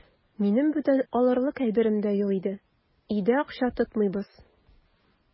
Минем бүтән алырлык әйберем дә юк инде, өйдә акча тотмыйбыз.